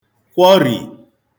kwọri